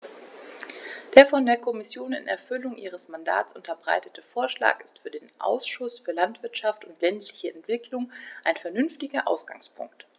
Der von der Kommission in Erfüllung ihres Mandats unterbreitete Vorschlag ist für den Ausschuss für Landwirtschaft und ländliche Entwicklung ein vernünftiger Ausgangspunkt.